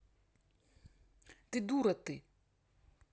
ты дура ты